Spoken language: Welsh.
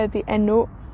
ydi enw